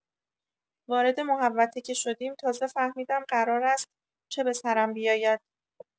وارد محوطه که شدیم تازه فهمیدم قرار است چه به سرم بیاید.